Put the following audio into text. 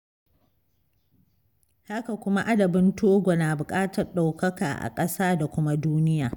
Haka kuma, adabin Togo na buƙatar ɗaukaka a ƙasa da kuma duniya.